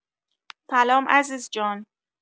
سلام عزیزجان